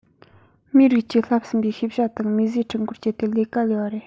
མིའི རིགས ཀྱིས བསླབས ཟིན པའི ཤེས བྱ དང མིས བཟོས འཕྲུལ འཁོར སྤྱད དེ ལས ཀ ལས པ རེད